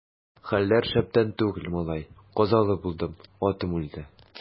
Хәлләр шәптән түгел, малай, казалы булдым, атым үлде.